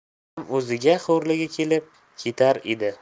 ham o'ziga xo'rligi kelib ketar edi